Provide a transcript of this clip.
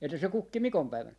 että se kukki mikonpäivänä